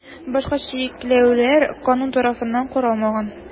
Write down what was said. Башка чикләүләр канун тарафыннан каралмаган.